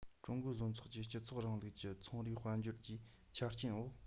ཀྲུང གོའི བཟོ ཚོགས ཀྱིས སྤྱི ཚོགས རིང ལུགས ཀྱི ཚོང རའི དཔལ འབྱོར གྱི ཆ རྐྱེན འོག